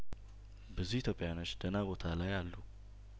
ብዙ ኢትዮጵያኖች ደህና ቦታ ላይ አሉ